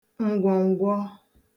ǹgwọ̀ǹgwọ̀